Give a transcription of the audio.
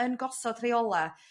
yn gosod rheola'